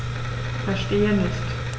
Verstehe nicht.